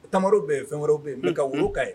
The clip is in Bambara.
Tamaro bɛ yen fɛn wɛrɛw bɛ yen mais ka woro k'a ye